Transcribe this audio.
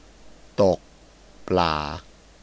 ตกปลา